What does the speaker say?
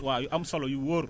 waa yu am solo yu wóor